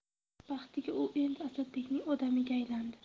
baxtiga u endi asadbekning odamiga aylandi